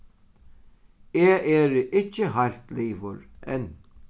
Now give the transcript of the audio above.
eg eri ikki heilt liðugur enn